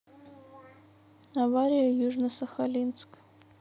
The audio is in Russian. авария южно сахалинск